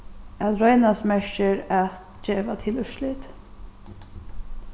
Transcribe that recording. at roynast merkir at geva til úrslit